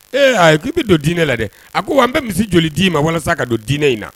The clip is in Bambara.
Ee haa! k'i bɛ don dinɛ la dɛ. A ko wa n bɛ misi joli d'i ma walasa ka don dinɛ in na